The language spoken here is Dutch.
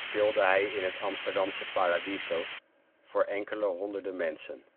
hij in het Amsterdamse Paradiso voor enkele honderden mensen